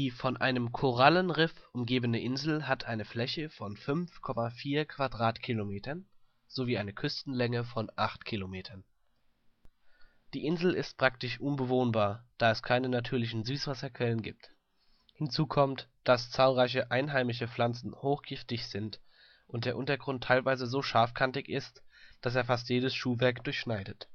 von einem Korallenriff umgebene Insel hat eine Fläche von 5,4 km² sowie eine Küstenlänge von 8 km. Die Insel ist praktisch unbewohnbar, da es keine natürlichen Süßwasserquellen gibt. Hinzu kommt, dass zahlreiche einheimische Pflanzen hochgiftig sind und der Untergrund teilweise so scharfkantig ist, dass er fast jedes Schuhwerk durchschneidet